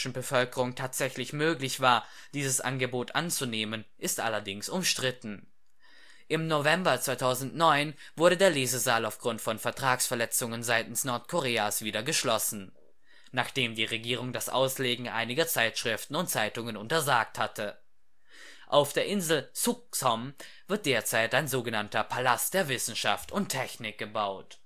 Bevölkerung tatsächlich möglich war, dieses Angebot anzunehmen, ist allerdings umstritten. Im November 2009 wurde der Lesesaal aufgrund von Vertragsverletzungen seitens Nordkoreas wieder geschlossen, nachdem die Regierung das Auslegen einiger Zeitschriften und Zeitungen untersagt hatte. Auf der Insel Ssuk-sŏm wird derzeit ein sog. Palast der Wissenschaft und Technik gebaut